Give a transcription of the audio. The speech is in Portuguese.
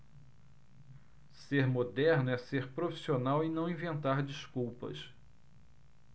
ser moderno é ser profissional e não inventar desculpas